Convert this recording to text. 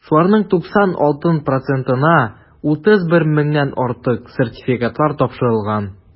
Шуларның 96 процентына (31 меңнән артык) сертификатлар тапшырылган.